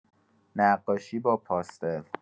نقاشی با پاستل